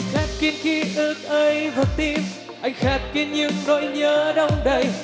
khép kín kí ức ấy vào tim anh khép kín những nỗi nhớ đong đầy